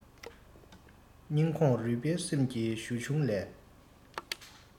སྙིང ཁོངས རུས པའི སེམས ཀྱི གཞུ ཆུང ལས